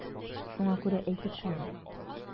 Шуңа күрә әйтеп калыйм.